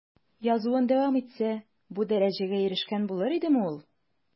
Язуын дәвам итсә, бу дәрәҗәгә ирешкән булыр идеме ул?